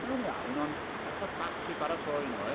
Maen nhw'n iawn, ond lot o faff i baratoi nhw, oes?